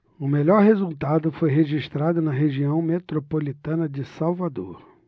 o melhor resultado foi registrado na região metropolitana de salvador